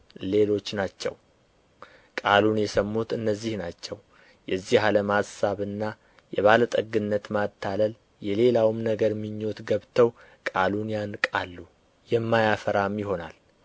ሌሎች ናቸው ቃሉን የሰሙት እነዚህ ናቸው የዚህም ዓለም አሳብና የባለጠግነት ማታለል የሌላውም ነገር ምኞት ገብተው ቃሉን ያንቃሉ የማያፈራም ይሆናል